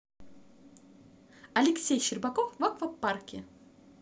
алексей щербаков в аквапарке